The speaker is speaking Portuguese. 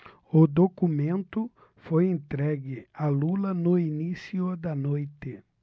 o documento foi entregue a lula no início da noite